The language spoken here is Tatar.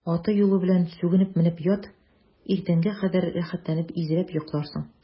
Аты-юлы белән сүгенеп менеп ят, иртәнгә кадәр рәхәтләнеп изрәп йокларсың.